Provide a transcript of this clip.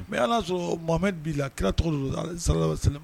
Mɛ y' y'a sɔrɔ mamamɛ b la kira tɔgɔ don sa sa